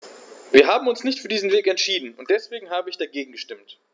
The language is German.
Wir haben uns nicht für diesen Weg entschieden, und deswegen habe ich dagegen gestimmt.